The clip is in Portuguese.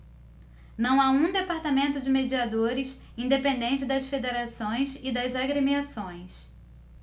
não há um departamento de mediadores independente das federações e das agremiações